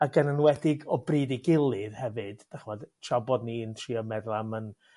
ag yn enwedig o bryd i gilydd hefyd dych ch'mod tra bod ni'n troa meddwl am 'yn